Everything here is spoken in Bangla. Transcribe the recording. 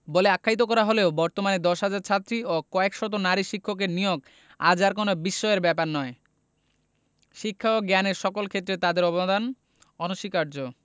বলে আখ্যায়িত করা হলেও বর্তমানে ১০ হাজার ছাত্রী ও কয়েক শত নারী শিক্ষকের নিয়োগ আজ আর কোনো বিস্ময়ের ব্যাপার নয় শিক্ষা ও জ্ঞানের সকল ক্ষেত্রে তাদের অবদান অনস্বীকার্য